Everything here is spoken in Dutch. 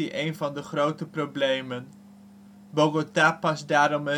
een van de grote problemen. Bogota past daarom